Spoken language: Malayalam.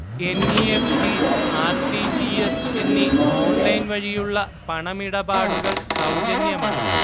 N. E. F. T, R. T. G. S എന്നീ ഓൺലൈൻ വഴിയുള്ള പണമിടപാടുകൾ സൗജന്യമാണ്